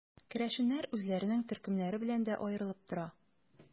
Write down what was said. Керәшеннәр үзләренең төркемнәре белән дә аерылып тора.